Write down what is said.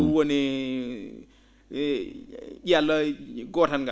?um woni ?i'al gootal ngal